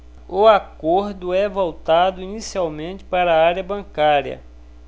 o acordo é voltado inicialmente para a área bancária